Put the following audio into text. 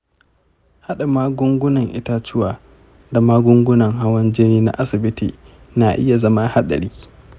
haɗa magungunan itatuwa da magungunan hawan jini na asibiti na iya zama haɗari.